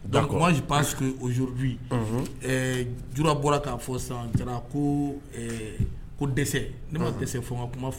Donc, moi je pense que aujourd'hui ɔnhn, Dura bɔra k'a fɔ sisan Jara ko dɛsɛ ne ma dɛsɛ fɔ n ka kuma kɔnɔ